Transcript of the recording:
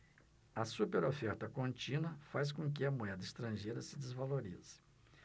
a superoferta contínua faz com que a moeda estrangeira se desvalorize